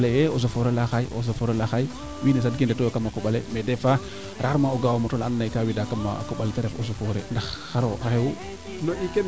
te leye e eaux et foret la xaay eaux et foret la xaay wiin we saɗkee ndeto yo kama koɓale mais des fois rarement o ga'a o moto laa ando naye ka wida kamo koɓale te ref aussi eaux foret ndax xaro xaa xewu